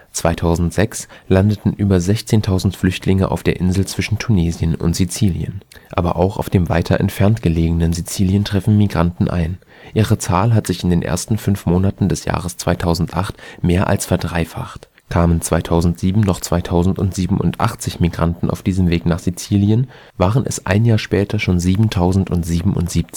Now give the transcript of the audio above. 2006 landeten über 16.000 Flüchtlinge auf der Insel zwischen Tunesien und Sizilien. Aber auch auf dem weiter entfernt gelegenen Sizilien treffen Migranten ein. Ihre Zahl hat sich in den ersten fünf Monaten des Jahres 2008 mehr als verdreifacht. Kamen 2007 noch 2.087 Migranten auf diesem Wege nach Sizilien, waren es ein Jahr später 7.077